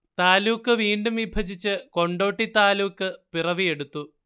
താലൂക്ക് വീണ്ടും വിഭജിച്ച് കൊണ്ടോട്ടി താലൂക്ക് പിറവിയെടുത്തു